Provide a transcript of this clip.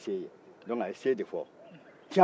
o de ye se ye dɔnki a bɛ se de ko fɔ